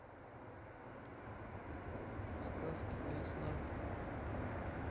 сказки для сна